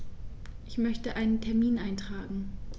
Ich möchte einen Termin eintragen.